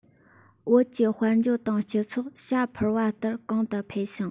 བོད ཀྱི དཔལ འབྱོར དང སྤྱི ཚོགས བྱ འཕུར བ ལྟར གོང དུ འཕེལ ཞིང